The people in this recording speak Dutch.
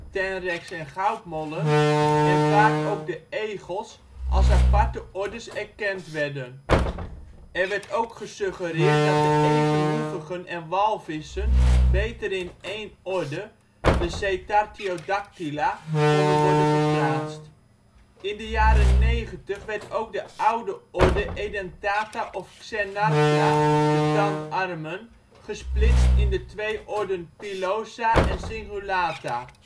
tenreks en goudmollen) en vaak ook de egels als aparte ordes erkend werden. Er werd ook gesuggereerd dat de evenhoevigen en walvissen beter in één orde, Cetartiodactyla, konden worden geplaatst. In de jaren 90 werd ook de oude orde Edentata of Xenarthra (tandarmen) gesplitst in de twee orden Pilosa en Cingulata